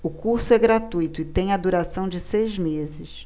o curso é gratuito e tem a duração de seis meses